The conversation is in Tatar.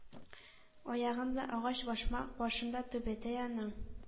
— аягында агач башмак, башында түбәтәй аның.